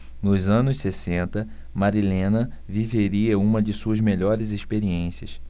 nos anos sessenta marilena viveria uma de suas melhores experiências